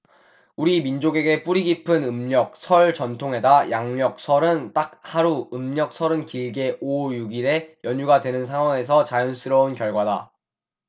우리 민족에게 뿌리깊은 음력 설 전통에다 양력 설은 딱 하루 음력 설은 길게 오 육 일의 연휴가 되는 상황에서 자연스러운 결과다